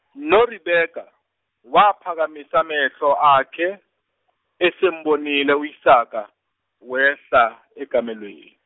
noRebeka, waphakamisa amehlo akhe, esembonile, u Isaka, wehla ekamelweni.